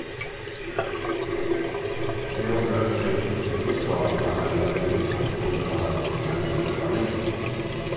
Se og Hør trengte ikke å svare da Aylar Lie snakket om bladets kjendisbetaling.